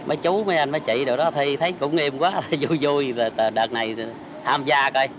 mấy chú mấy anh mấy chị đều nói thi thấy cũng nghiêm quá vui vui là đợt này tham gia coi